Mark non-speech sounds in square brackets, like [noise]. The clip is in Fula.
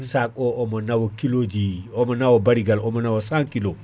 sac o omo nawa kiloji [hesitation] omo nawa barigal omo nawa 100k